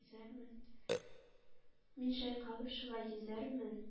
Мин чайкалып шулай йөзәрмен.